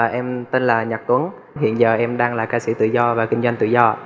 em tên là nhật tuấn hiện giờ em đang là ca sĩ tự do và kinh doanh tự do